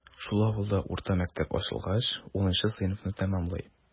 Шул авылда урта мәктәп ачылгач, унынчы сыйныфны тәмамлый.